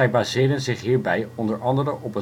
baseren zich hierbij onder andere op